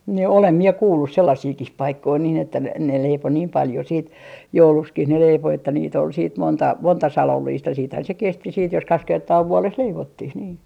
niin olen minä kuullut sellaisiakin paikkoja niin että ne ne leipoi niin paljon sitten jouluksikin ne leipoi että niitä oli sitten monta monta salollista ja sittenhän se kesti sitten jos kaksi kertaa vuodessa leivottiin niin